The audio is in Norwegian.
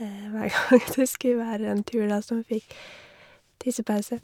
hver gang det skulle være en tur da, så hun fikk tissepause.